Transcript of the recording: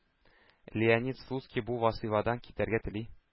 Леондид Слуцкий бу вазыйфадан китәргә тели.